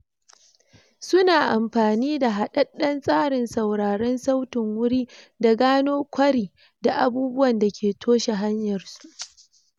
Su na amfani da haddaden tsarin sauraren sautin wuri da gano kwari da abubuwan dake toshe hanyar su.